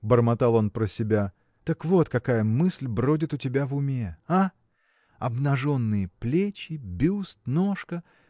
– бормотал он про себя, – так вот какая мысль бродит у тебя в уме. а! обнаженные плечи, бюст, ножка.